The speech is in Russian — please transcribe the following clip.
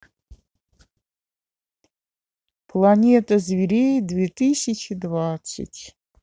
планета зверей две тысячи двадцать